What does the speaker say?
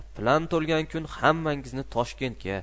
plan to'lgan kuni hammangizni toshkentga